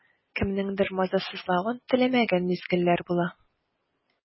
Кемнеңдер мазасызлавын теләмәгән мизгелләр була.